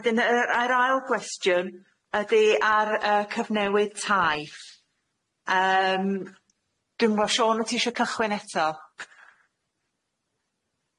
A dyn yy yr ail gwestiwn ydy ar yy cyfnewid taith yym dwi'm yn me'wl Siôn wyt ti isio cychwyn eto?